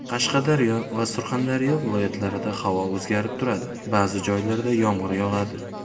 qashqadaryo va surxondaryo viloyatlarida havo o'zgarib turadi ba'zi joylarda yomg'ir yog'adi